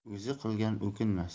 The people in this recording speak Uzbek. o'zi qilgan o'kinmas